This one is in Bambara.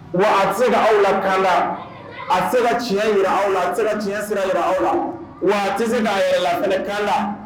Wa a tɛ se ka aw lakan a sera ka tiɲɛ jira aw la a sera tiɲɛ sira jira aw la wa a tɛ se' yɛlɛ la kan